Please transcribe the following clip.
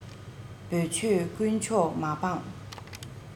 བོད ཆོས དཀོན མཆོག མ སྤངས